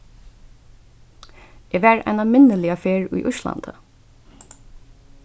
eg var eina minniliga ferð í íslandi